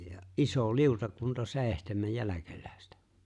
ja iso liutakunta seitsemän jälkeläistä